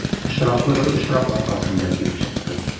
Очраклы бер очрак аркасында килеп чыкты.